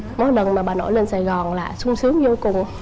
mỗi lần mà bà nội lên sài gòn là sung sướng vô cùng